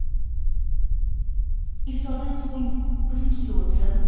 iftordan so'ng biznikiga o'tsin